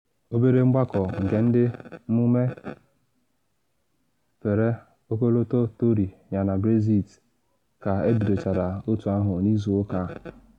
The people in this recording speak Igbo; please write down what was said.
Obere mgbakọ nke ndị mmume fere ọkọlọtọ Tory Yana Brexit ka ebidochara otu ahụ n’izu ụka a.